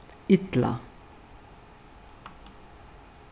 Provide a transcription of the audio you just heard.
illa